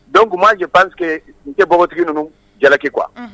Dɔnku tun b'a ye pansigike n tɛ npogotigi ninnu jalaki kuwa